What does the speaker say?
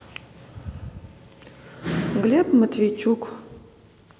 глеб матвейчук